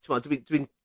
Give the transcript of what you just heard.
t'mod dwi'n dwi'n